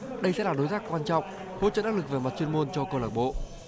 đây sẽ là đối tác quan trọng hỗ trợ đắc lực về mặt chuyên môn cho câu lạc bộ